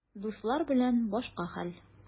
Дуслар белән башка хәл.